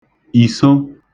ìso